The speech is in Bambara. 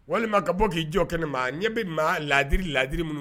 Walima ka bɔ k'i jɔ kɛnɛ ma ɲɛ bɛ ma laadiri la laadiri minnu